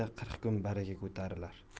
uydan qirq kun baraka ko'tarilar